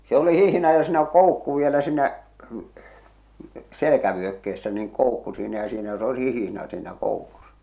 se oli hihna ja siinä koukku vielä siinä selkävyökkeessä niin koukku siinä ja siinä jos olisi hihna siinä koukussa